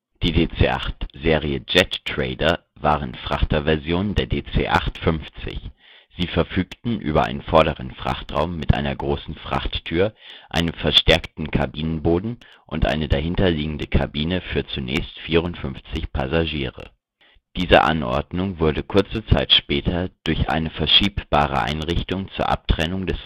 DC-8 Serie Jet Trader waren Frachter-Versionen der DC-8-50. Sie verfügten über einen vorderen Frachtraum mit einer großen Frachttür, einem verstärkten Kabinenboden und eine dahinter liegende Kabine für zunächst 54 Passagiere. Diese Anordnung wurde kurze Zeit später durch eine verschiebbare Einrichtung zur Abtrennung des Frachtraumes